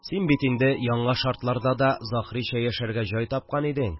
Син бит инде яңа шартларда да Заһрича яшәргә җай тапкан идең